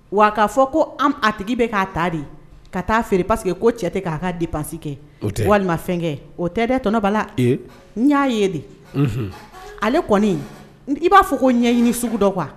Wa k'a fɔ ko a tigi bɛ k'a ta de ka taaa feere paseke ko cɛ tɛ k'a ka di pansi kɛ walimafɛn kɛ o tɛ dɛ tɔnɔ bala n y'a ye de ale kɔni i b'a fɔ ko ɲɛɲini sugu dɔ kuwa